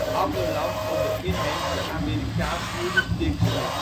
ander land onder inheemse Amerikaanse jurisdictie